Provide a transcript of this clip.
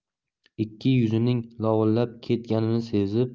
ikki yuzining lovillab ketganini sezib